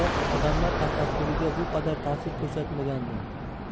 mobaynida odamlar tafakkuriga bu qadar ta'sir kursatmagandi